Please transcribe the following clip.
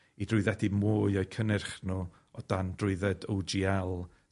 i drwyddedu mwy o'u cynnyrch nw o dan drwydded Owe Gee El